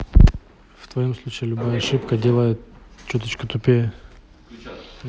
в твоем случае любая ошибка делает чуточку тупее